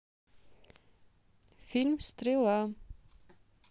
фильм стрела